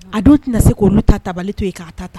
A dɔw tɛna se k'olu taba to yen'a ta ta